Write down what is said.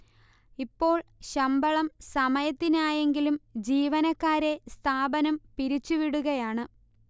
ഇപ്പോൾ ശമ്പളം സമയത്തിനായെങ്കിലും ജീവനക്കാരെ സ്ഥാപനം പിരിച്ചുവിടുകയാണ്